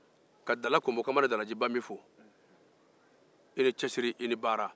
a ka dala konbo kanba ni dala jibamin fo